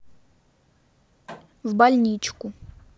в больничку